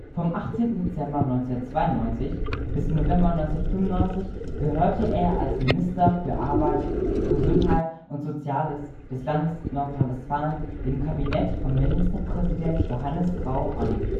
Vom 18. Dezember 1992 bis November 1995 gehörte er als Minister für Arbeit, Gesundheit und Soziales des Landes Nordrhein-Westfalen dem Kabinett von Ministerpräsident Johannes Rau an